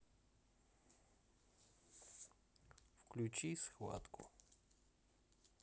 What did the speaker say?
включи схватку